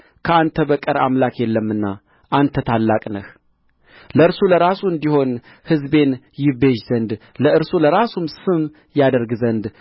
ከአንተ በቀር አምላክ የለምና አንተ ታላቅ ነህ ለእርሱ ለራሱ እንዲሆን ሕዝብን ይቤዥ ዘንድ ለእርሱ ለራሱም ስም ያደርግ ዘንድ